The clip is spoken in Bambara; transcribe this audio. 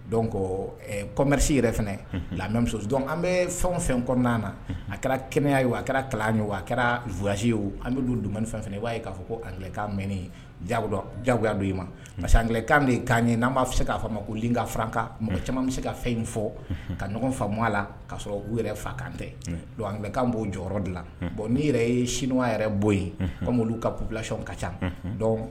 Dɔn an bɛ fɛn kɔnɔna na a kɛra kɛnɛya ye a kɛra kalan ye a kɛra wwasi ye an bɛ duin fɛn b'a ye k'a fɔ kokan mɛn jago jagoya don ma parce ankan de'a ɲɛ n'an b'a fɛ se k'a fɔ ma kokarankan mɔgɔ caman bɛ se ka fɛn in fɔ ka ɲɔgɔn fa la ka sɔrɔ u yɛrɛ fa kantɛ ankan b'o jɔyɔrɔ dilan bɔn n'i yɛrɛ ye sini yɛrɛ bɔ yen kɔmi ka bu bilayɔn ka ca